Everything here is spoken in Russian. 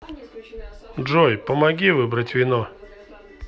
джой помоги выбрать вино